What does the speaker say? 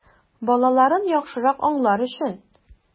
Балаларын яхшырак аңлар өчен!